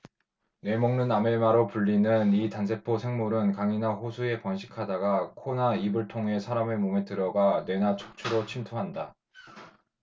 뇌 먹는 아메바로 불리는 이 단세포 생물은 강이나 호수에 번식하다가 코나 입을 통해 사람의 몸에 들어가 뇌나 척추로 침투한다